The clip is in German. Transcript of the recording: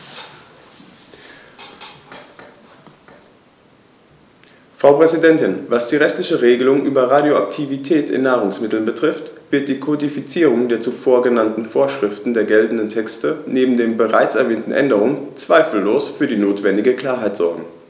Frau Präsidentin, was die rechtlichen Regelungen über Radioaktivität in Nahrungsmitteln betrifft, wird die Kodifizierung der zuvor genannten Vorschriften der geltenden Texte neben den bereits erwähnten Änderungen zweifellos für die notwendige Klarheit sorgen.